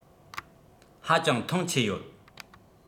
ཧ ཅང ཐང ཆད ཡོད